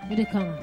O de kan